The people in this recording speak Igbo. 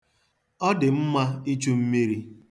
Ọ dị mma ichu mmiri.